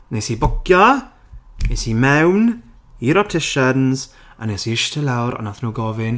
Wnes i bwcio. Es i mewn i'r opticians a wnes i ishte lawr a wnaethon nhw gofyn...